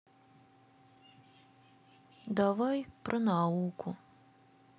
давай про науку